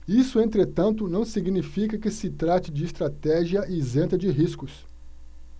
isso entretanto não significa que se trate de estratégia isenta de riscos